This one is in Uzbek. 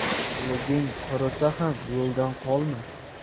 iliging qurisa ham yo'ldan qolma